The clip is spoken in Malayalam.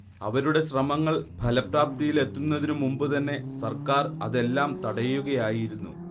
അവരുടെ ശ്രമങ്ങൾ ഫലപ്രാപ്തിയിലെത്തുന്നതിനു മുമ്പു തന്നെ സർക്കാർ അതെല്ലാം തടയുകയായിരുന്നു